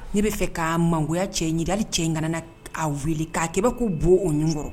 Ne b'a fɛ ka mangoya cɛ ɲini dali cɛ ing na a wuli k'a'i bɛ ko bon o nin kɔrɔ